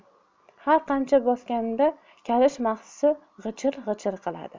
har qadam bosganida kalish mahsisi g'ijir g'ijir qiladi